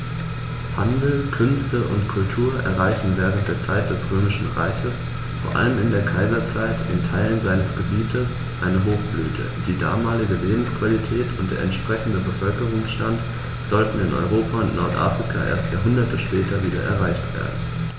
Handel, Künste und Kultur erreichten während der Zeit des Römischen Reiches, vor allem in der Kaiserzeit, in Teilen seines Gebietes eine Hochblüte, die damalige Lebensqualität und der entsprechende Bevölkerungsstand sollten in Europa und Nordafrika erst Jahrhunderte später wieder erreicht werden.